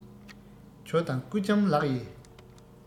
ཇོ དང སྐུ ལྕམ ལགས ཡེ